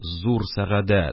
Зур сәгадәт.